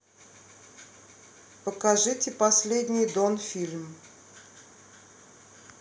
покажите последний дон фильм